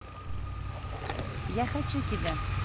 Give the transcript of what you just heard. я хочу тебя